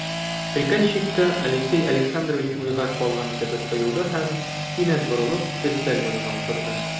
Приказчикка Алексей Александрович уйга калган кебек тоелды һәм, кинәт борылып, өстәл янына утырды.